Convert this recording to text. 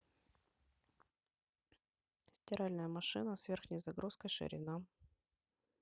стиральная машина с верхней загрузкой ширина